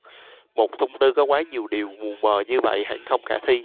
một thông tư có quá nhiều điều mù mờ như vậy hẳn không khả thi